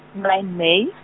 nine May.